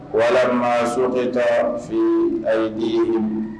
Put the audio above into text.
Walima ma sokɛkɛ taa fili a ye i ye